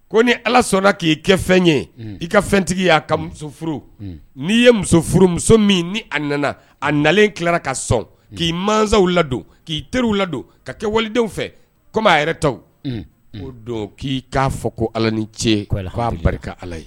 Ko ni ala sɔnna k'i ye kɛ fɛn ye i ka fɛntigi'a ka musof furu n'i ye musof furumuso min ni a nana a nalen tila ka sɔn k'i mansaw ladon k'i teriw ladon ka kɛ walidenw fɛ kɔmi yɛrɛ ta o don k'i k'a fɔ ko ala ni ce k'a barika ala ye